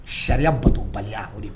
Sariya batobali' o de